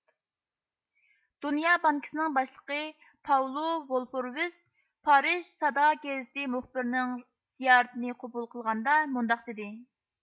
دۇنيا بانكىسىنىڭ باشلىقى پاۋلو ۋولفورۋېز پارىژ سادا گېزىتى مۇخبىرىنىڭ زىيارىتىنى قوبۇل قىلغاندا مۇنداق دېدى